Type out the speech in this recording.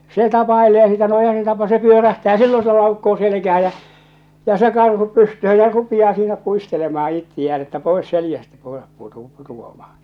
se tapailee sitä no eihän se - se pyörähtää silloin se laukkaa selkään ja ja se karhu pystyyn ja rupeaa siinä puistelemaan itseään että pois selästä koira - putoamaan